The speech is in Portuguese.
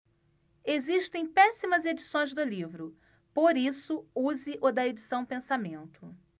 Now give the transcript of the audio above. existem péssimas edições do livro por isso use o da edição pensamento